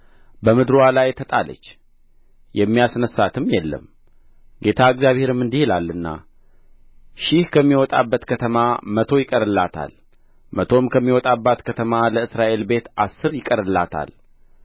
በምድርዋ ላይ ተጣለች የሚያስነሣትም የለም ጌታ እግዚአብሔርም እንዲህ ይላልና ሺህ ከሚወጣባት ከተማ መቶ ይቀርላታል መቶም ከሚወጣባት ከተማ ለእስራኤል ቤት አሥር ይቀርላታል